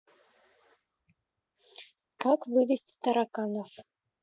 как вывести тараканов